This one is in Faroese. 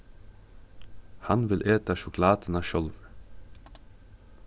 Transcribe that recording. hann vil eta sjokulátuna sjálvur